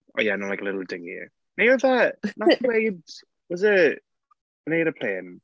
Oh yeah not like a little dinghy neu oedd e... Wnaeth hi weud? Was it, an aeroplane?